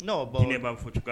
N'o baw ne b'a fɔ